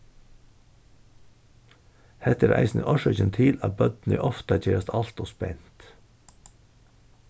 hetta er eisini orsøkin til at børnini ofta gerast alt ov spent